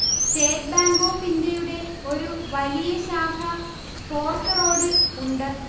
state bank of ഇന്ത്യയുടെ ഒരു വലിയ ശാഖ ഫോർട്ട് റോഡിൽ ഉണ്ട്